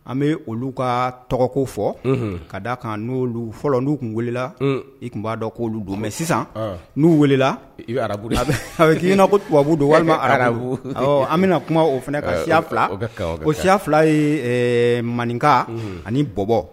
An bɛ olu ka tɔgɔko fɔ ka d daa kan n'olu fɔlɔ n'u tun welela i tun b'a dɔn k' oluolu don mɛ sisan n'u wele arabu'iinabu don walima arabu an bɛna kuma o fana ka siya fila ko siya fila ye maninka ani bɔbɔ